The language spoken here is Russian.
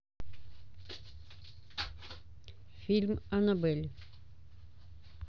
фильм аннабель